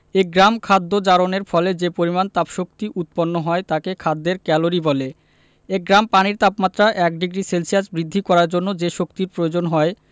এক গ্রাম খাদ্য জারণের ফলে যে পরিমাণ তাপশক্তি উৎপন্ন হয় তাকে খাদ্যের ক্যালরি বলে এক গ্রাম পানির তাপমাত্রা ১ ডিগ্রি সেলসিয়াস বৃদ্ধি করার জন্য যে শক্তির প্রয়োজন হয়